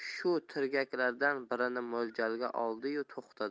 shu tirgaklardan birini mo'ljalga oldi yu to'xtadi